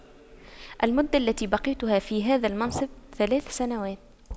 المدة التي بقيتها في هذا المنصب ثلاث سنوات